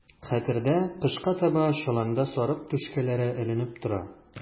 Хәтердә, кышка таба чоланда сарык түшкәләре эленеп тора.